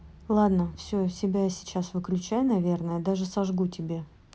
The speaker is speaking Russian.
ладно все себя сейчас выключай наверное даже сожгу тебе